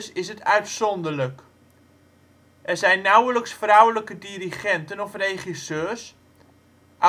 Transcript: is het uitzonderlijk. Er zijn nauwelijks vrouwelijke dirigenten of regisseurs, auteursrecht-wetgeving